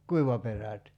kuivaperät